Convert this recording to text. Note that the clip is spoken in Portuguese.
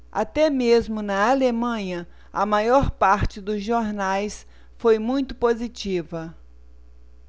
até mesmo na alemanha a maior parte dos jornais foi muito positiva